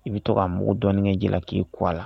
I bi tɔ ka mugu dɔnni kɛ jila ki ko a la.